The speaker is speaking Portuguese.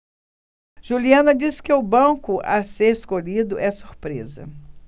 juliana disse que o banco a ser escolhido é surpresa